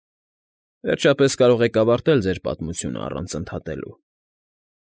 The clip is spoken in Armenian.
Վերջապես կարող եք ավարտել ձեր պատմությունն առանց ընդհատելու։